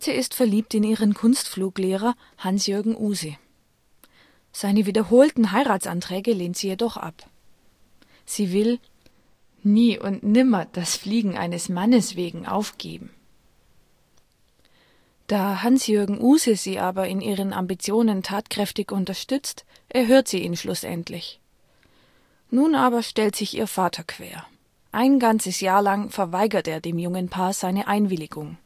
ist verliebt in ihren Kunstfluglehrer, Hans-Jürgen Uhse, lehnt jedoch seine wiederholten Heiratsanträge ab. Sie will " nie und nimmer das Fliegen eines Mannes wegen aufgeben ". Da Hans-Jürgen sie in ihren Ambitionen tatkräftig unterstützt, erhört sie ihn schlussendlich, nun stellt sich aber ihr Vater quer. Ein ganzes Jahr lang verweigert er dem jungen Paar seine Einwilligung